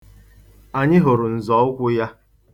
Ha hụrụ nzọụkwụ ya.